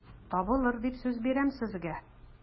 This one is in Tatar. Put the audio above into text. Табылыр дип сүз бирәм сезгә...